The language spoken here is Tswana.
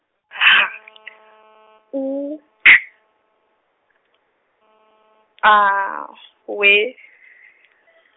H U K, A W .